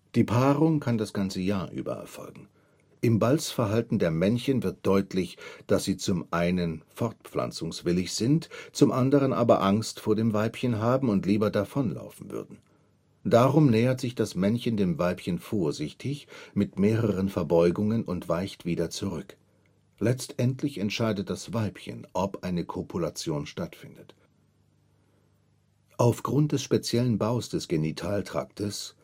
Die Paarung kann das ganze Jahr über erfolgen. Im Balzverhalten der Männchen wird deutlich, dass sie zum einen fortpflanzungswillig sind, zum anderen aber Angst vor dem Weibchen haben und lieber davonlaufen würden. Darum nähert sich das Männchen dem Weibchen vorsichtig mit mehreren Verbeugungen und weicht wieder zurück. Letztendlich entscheidet das Weibchen, ob eine Kopulation stattfindet. Aufgrund des speziellen Baus des Genitaltraktes